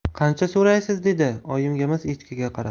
qancha so'raysiz dedi oyimgamas echkiga qarab